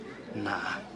Na.